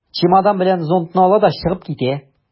Чемодан белән зонтны ала да чыгып китә.